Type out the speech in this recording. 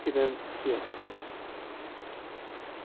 ikkidan uch yaxshi